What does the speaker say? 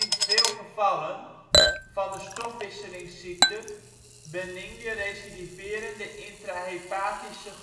veel gevallen van de stofwisselingsziekte Benigne Recividerende Intrahepatische